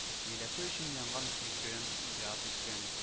Милләте өчен янган-көйгән, иҗат иткән